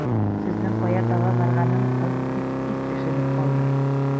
Сүзнең кая таба барганын кыз бик тиз төшенеп алды.